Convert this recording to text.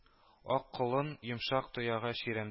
Ак колын, йомшак тоягы чирәм